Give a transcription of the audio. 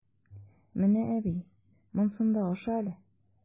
Менә, әби, монсын да аша әле!